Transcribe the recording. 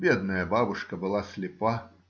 Бедная бабушка была слепа!